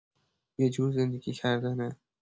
یه جور زندگی کردنه.